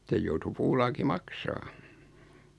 sen joutui puulaaki maksamaan